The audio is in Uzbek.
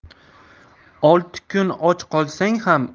olti kun och qolsang